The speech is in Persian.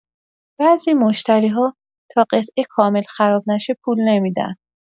بعضی مشتری‌ها تا قطعه کامل خراب نشه، پول نمی‌دن.